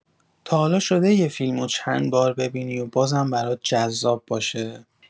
تا حالا شده یه فیلمو چند بار ببینی و بازم برات جذاب باشه؟